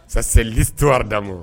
Masali to d'mu